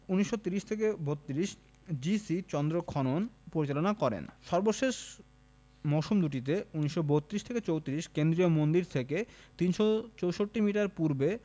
১৯৩০ ৩২ G C Chandra খনন পরিচালনা করেন সর্বশেষ মৌসুম দুটিতে ১৯৩২ ৩৪ কেন্দ্রীয় মন্দির থেকে ৩৬৪ মিটার পূর্বে